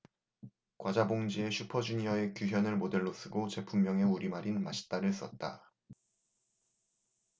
과자 봉지에 슈퍼주니어의 규현을 모델로 쓰고 제품명에 우리말인 맛있다를 썼다